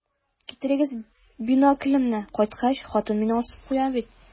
Китерегез биноклемне, кайткач, хатын мине асып куя бит.